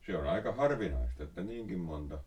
se on aika harvinaista että niinkin monta